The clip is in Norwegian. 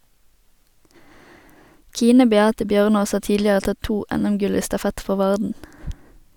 Kine Beate Bjørnås har tidligere tatt to NM-gull i stafett for Varden.